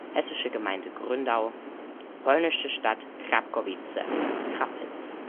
hessische Gemeinde Gründau polnische Stadt Krapkowice (Krappitz